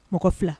Mɔgɔ 2